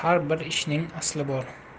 har bir ishning asli bor